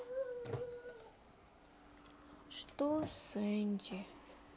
что с энди